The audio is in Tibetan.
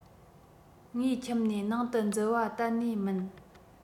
ངའི ཁྱིམ ནས ནང དུ འཛུལ བ གཏན ནས མིན